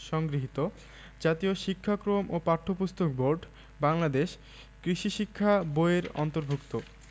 সংগৃহীত জাতীয় শিক্ষাক্রম ও পাঠ্যপুস্তক বোর্ড বাংলাদেশ কৃষি শিক্ষা বই এর অন্তর্ভুক্ত